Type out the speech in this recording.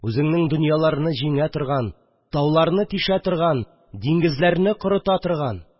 Үзеңнең дөньяларны җиңә торган, тауларны тишә торган, диңгезләрне корыта торган